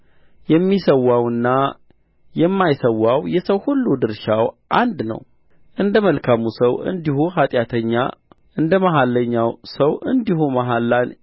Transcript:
የሚሠዋውና የማይሠዋው የሰው ሁሉ ድርሻው አንድ ነው እንደ መልካሙ ሰው እንዲሁ ኃጢአተኛው እንደ መሐለኛው ሰው እንዲሁ መሐላን